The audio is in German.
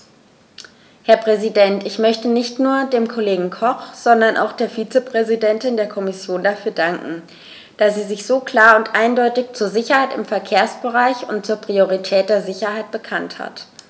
Herr Präsident, ich möchte nicht nur dem Kollegen Koch, sondern auch der Vizepräsidentin der Kommission dafür danken, dass sie sich so klar und eindeutig zur Sicherheit im Verkehrsbereich und zur Priorität der Sicherheit bekannt hat.